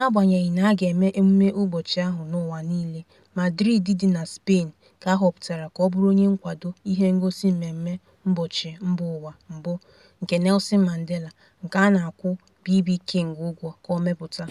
N'agbanyeghị na a ga-eme emume ụbọchị ahụ n'ụwa niile, Madrid dị na Spain ka a họpụtara ka ọ bụrụ onye nkwado ihengosị mmemme ụbọchị mbaụwa mbụ nke Nelson Mandela, nke a na-akwụ BB King ụgwọ ka ọ mepụta.